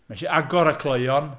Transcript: Mae eisiau agor y cloion.